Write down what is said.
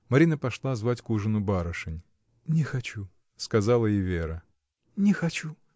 Марина пошла звать к ужину барышень. — Не хочу! — сказала и Вера. — Не хочу!